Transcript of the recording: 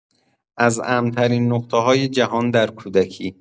از امن‌ترین نقطه‌های جهان در کودکی